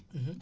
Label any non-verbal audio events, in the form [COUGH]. [HESITATION] [HESITATION]